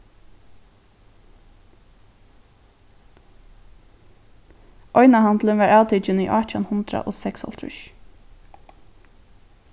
einahandilin varð avtikin í átjan hundrað og seksoghálvtrýss